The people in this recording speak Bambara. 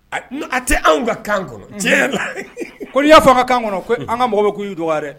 Non a tɛ anw ka kan kɔnɔ tiɲɛ yɛrɛ la ko ni y'a fɔ a ka kan kɔnɔ k’an ka mɔgɔw b'a fɔ k’i yu dɔgɔya dɛ